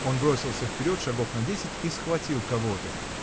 Он бросился вперед шагов на десять и схватил кого-то.